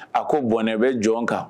A ko bɔnɛ bɛ jɔn kan